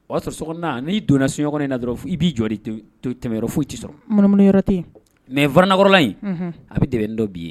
O y'a sɔrɔ so n'i donna soɲɔgɔnɔgɔ in na dɔrɔn i b'i jɔ de to tɛmɛyɔrɔ foyi ci sɔrɔ yɔrɔ ten mɛ farakɔrɔla in a bɛ dɛ dɔ b'i ye